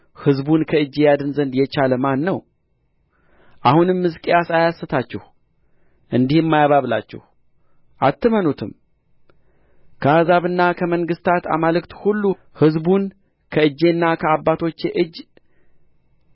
ሕዝቡን ከእጄ ያድን ዘንድ የቻለ ማን ነው አሁንም ሕዝቅያስ አያስታችሁ እንዲህም አያባብላችሁ አትመኑትም ከአሕዛብና ከመንግሥታት አማልክት ሁሉ ሕዝቡን ከእጄና ከአባቶቼ እጅ